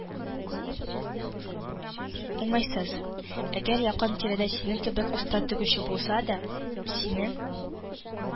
Уңайсыз, әгәр якын-тирәдә синең кебек оста тегүче булса, сине